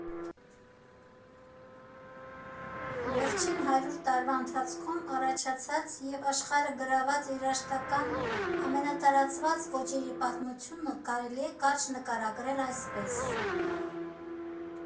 Վերջին հարյուր տարվա ընթացքում առաջացած և աշխարհը գրաված երաժշտական ամենատարածված ոճերի պատմությունը կարելի է կարճ նկարագրել այսպես.